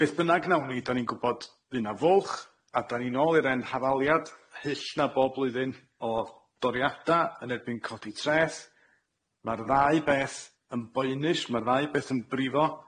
Beth bynnag nawn ni dan ni'n gwbod fu na fwlch a dan ni nôl i'r 'en hafaliad hyll na bob blwyddyn o doriada yn erbyn codi treth ma'r ddau beth yn boenus ma'r ddau beth yn brifo.